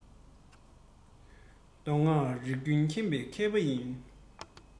མདོ སྔགས རིག ཀུན མཁྱེན པའི མཁས པ ཡིན